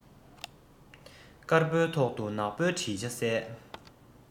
དཀར པོའི ཐོག ཏུ ནག པོའི བྲིས ཆ གསལ